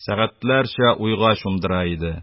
Сәгатьләрчә уйга чумдыра иде.